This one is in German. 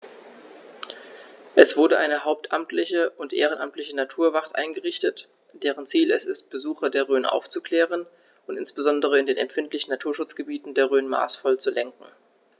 Es wurde eine hauptamtliche und ehrenamtliche Naturwacht eingerichtet, deren Ziel es ist, Besucher der Rhön aufzuklären und insbesondere in den empfindlichen Naturschutzgebieten der Rhön maßvoll zu lenken.